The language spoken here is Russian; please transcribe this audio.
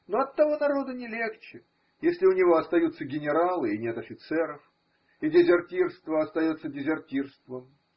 но оттого народу не легче, если у него остаются генералы и нет офицеров, и дезертирство остается дезертирством.